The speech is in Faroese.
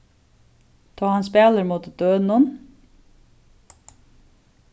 tá hann spælir móti dønum